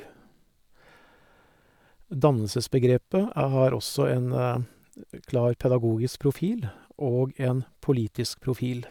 Dannelsesbegrepet e har også en klar pedagogisk profil og en politisk profil.